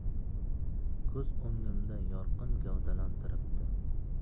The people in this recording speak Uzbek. ko'z o'ngimda yorqin gavdalantiribdi